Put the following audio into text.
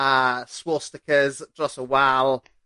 a Swastikas dros y wal